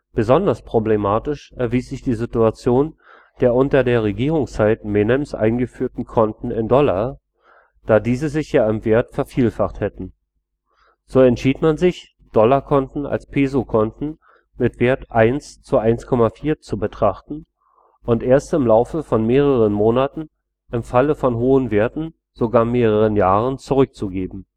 Besonders problematisch erwies sich die Situation der unter der Regierungszeit Menems eingeführten Konten in Dollar, da diese sich ja im Wert vervielfacht hätten. So entschied man sich, Dollarkonten als Pesokonten mit Wert 1 zu 1,40 zu betrachten und erst im Laufe von mehreren Monaten, im Falle von hohen Werten sogar mehreren Jahren zurückzugeben